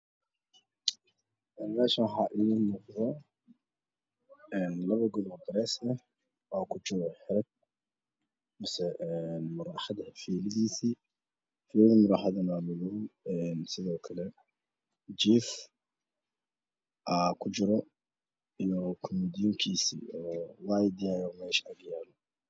Meeshan waxa iiga muqdo labo god oo baree ah oo kujiro xarig mise marwaxad marsheelihiisii fiilada marwaxadana waa madoow sidoo kale jiif aa kujiro iyo kooma diinkiisa iyo waayt yahay ayaa meshaas yaalo